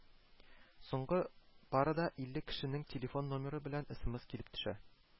Соңгы парада илле кешенең телефон номеры белән смс килеп төшә